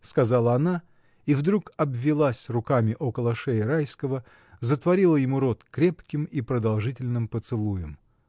— сказала она — и вдруг обвилась руками около шеи Райского, затворила ему рот крепким и продолжительным поцелуем.